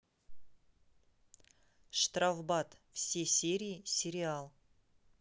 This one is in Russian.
штрафбат все серии сериал